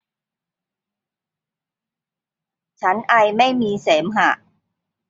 ฉันไอไม่มีเสมหะ